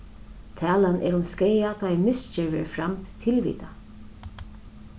talan er um skaða tá ið misgerð verður framd tilvitað